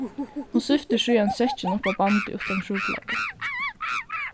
hon syftir síðani sekkin uppá bandið uttan trupulleikar